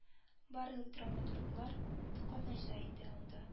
Барлык драматурглар катнаша иде анда